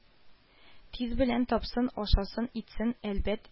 Тир белән тапсын ашасын, итсен, әлбәт